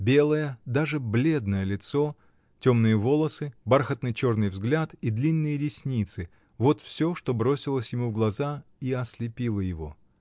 Белое, даже бледное, лицо, темные волосы, бархатный черный взгляд и длинные ресницы — вот всё, что бросилось ему в глаза и ослепило его.